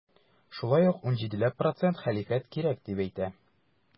Шулай ук 17 ләп процент хәлифәт кирәк дип әйтә.